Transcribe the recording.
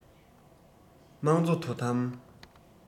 དམངས གཙོ དོ དམ